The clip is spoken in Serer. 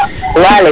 Waly